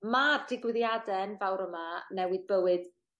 ma'r digwyddiade enfawr yma newid bywyd